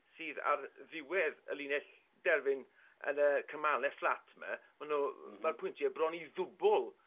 sydd ar ddiwedd y linell derfyn yn y cymale fflat 'ma ma' n'w ma'r pwyntie bron i ddwbl